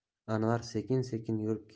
anvar sekin sekin